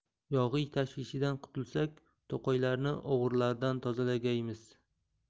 yog'iy tashvishidan qutulsak to'qaylarni o'g'rilardan tozalagaymiz